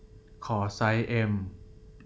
ขอไซส์เอ็ม